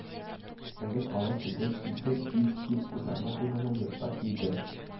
Элек алай түгел иде бит, – дип уйлана-уйлана йортка килде